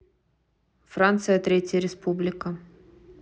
франция третья республика